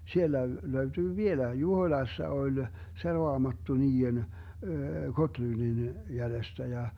siellä löytyy vieläkin Juhoilassa oli se raamattu niiden Gottlundin jäljestä ja